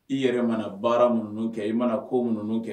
I yɛrɛ mana baara minnu kɛ i mana ko ninnu kɛ